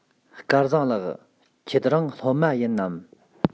སྐལ བཟང ལགས ཁྱེད རང སློབ མ ཡིན ནམ